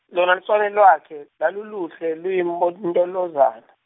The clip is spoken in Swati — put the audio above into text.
lona luswane lwakhe, lwaluluhle, luyimpontolozana.